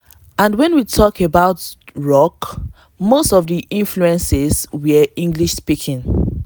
And when we talk about Rock, most of the influences were English-speaking.